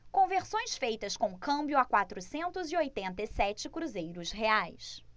conversões feitas com câmbio a quatrocentos e oitenta e sete cruzeiros reais